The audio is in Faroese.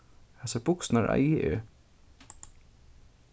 hasar buksurnar eigi eg